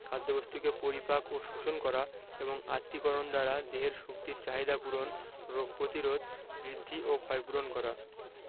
খাদ্যবস্তুকে পরিপাক ও শোষণ করা এবং আত্তীকরণ দ্বারা দেহের শক্তির চাহিদা পূরণ রোগ প্রতিরোধ বৃদ্ধি ও ক্ষয়পূরণ করা